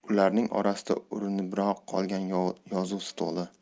ularning orasida urinibroq qolgan yozuv stoli